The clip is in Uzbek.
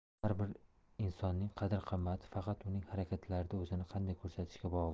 har bir insonning qadr qimmati faqat uning harakatlarida o'zini qanday ko'rsatishiga bog'liq